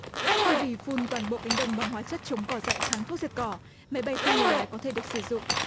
thay vì phun toàn bộ cánh đồng bằng hóa chất chống cỏ dại kháng thuốc diệt cỏ máy bay không người lái có thể được sử dụng